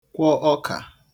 kwọ ọkà